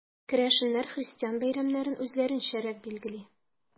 Керәшеннәр христиан бәйрәмнәрен үзләренчәрәк билгели.